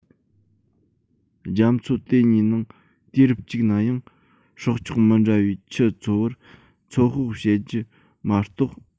རྒྱ མཚོ དེ གཉིས ནང དུས རབས གཅིག ནའང སྲོག ཆགས མི འདྲ བའི ཁྱུ འཚོ བར ཚོད དཔག བྱེད རྒྱུ མ གཏོགས